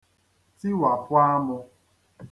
tiwàpụ āmụ̄